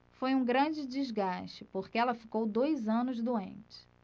foi um grande desgaste porque ela ficou dois anos doente